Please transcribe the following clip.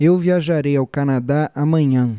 eu viajarei ao canadá amanhã